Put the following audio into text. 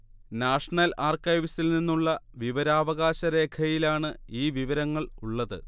national ആർക്കൈവ്സിൽ നിന്നുള്ള വിവരാവകാശ രേഖയിലാണ് ഈ വിവരങ്ങൾ ഉള്ളത്